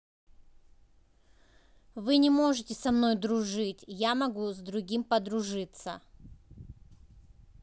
вы не можете со мной дружить я могу с другим подружиться